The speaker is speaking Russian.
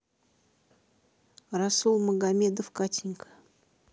расул магомедов катенька